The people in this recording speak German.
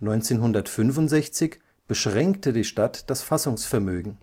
1965 beschränkte die Stadt das Fassungsvermögen.